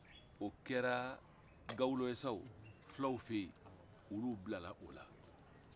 o kɛra gawula ye sa o fulaw fɛ ye olu bilala o la